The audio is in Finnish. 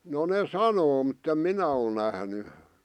no ne sanoo mutta en minä ole nähnyt